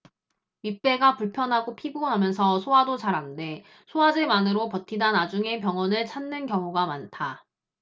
윗배가 불편하고 피곤하면서 소화도 잘 안 돼 소화제만으로 버티다 나중에 병원을 찾는 경우가 많다